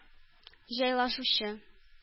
Җайлашучы